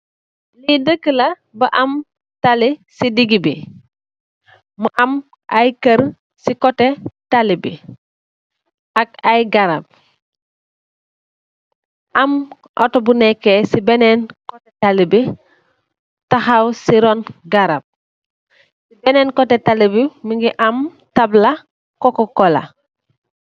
Lee deka la bu am tali se degebe mu am aye kerr se kute talibe ak aye garab am otu buneke se benen kute talibe tahaw se ronn garab sebenen kute talibe muge am tabla cococola.